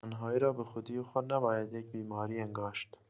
تنهایی را به‌خودی‌خود نباید یک بیماری انگاشت.